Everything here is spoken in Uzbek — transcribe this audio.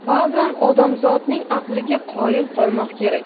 ba'zan odamzotning aqliga qoyil qolmoq kerak